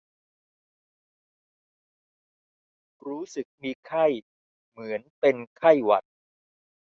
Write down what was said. รู้สึกมีไข้เหมือนเป็นไข้หวัด